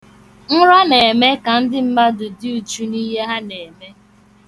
Nra na-eme ka ndị mmadụ dị uchu na ihe ha na-eme.